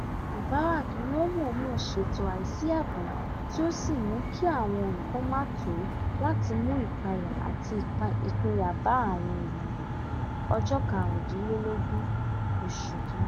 mubarak ni ó mọ̀ọ́mọ̀ ṣètò àìsí ààbò tí ó sì mú kí àwọn nǹkan má tòó láti mú ìpayà àti ìpínyà bá àwọn èèyàn #Jan25